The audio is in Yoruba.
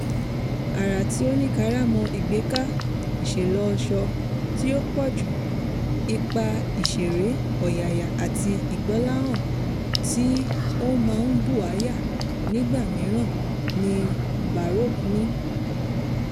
"Àrà tí ó ní kàrámọ̀ ìgbéká, ìṣelọ́ṣọ̀ọ́ tí ó pọ̀jù, ipa ìṣèré, ọ̀yàyà àti ìgbọ́láhàn tí ó máa ń bùáyà nígbà mìíràn ni Baroque ní".